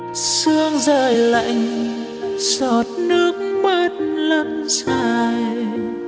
sương rơi lạnh giọt nước mắt lăn dài